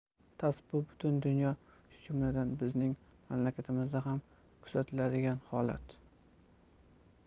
tass bu butun dunyoda shu jumladan bizning mamlakatimizda ham kuzatiladigan holat